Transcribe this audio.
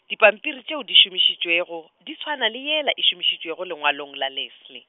dipampiri tšeo di šomišitšwego, di tšhwana le yela e šomišitšwego lengwalong la Leslie.